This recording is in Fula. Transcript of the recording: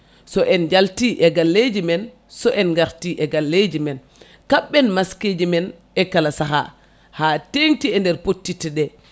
so en jalti e galleji men so en garti e galleji men kabɓen masque keji men e kala saaha ha tengti e nder pottitte ɗe